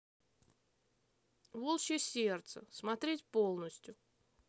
волчье сердце смотреть полностью